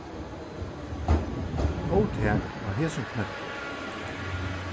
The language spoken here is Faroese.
góðtak á hesum knøtti